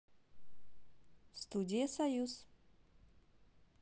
студия союз